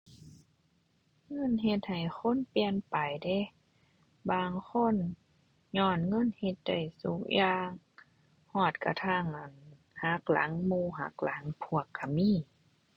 เงินเฮ็ดให้คนเปลี่ยนไปเดะ บางคน ญ้อนเงินเฮ็ดได้ซุอย่าง ฮอดกระทั่ง อั่น หักหลังหมู่หักหลังพวกก็มี